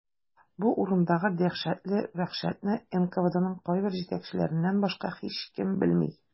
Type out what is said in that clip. Бу урындагы дәһшәтле вәхшәтне НКВДның кайбер җитәкчеләреннән башка һичкем белми.